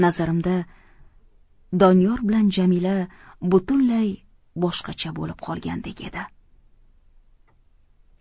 nazarimda doniyor bilan jamila butunlay boshqacha bo'lib qolgandek edi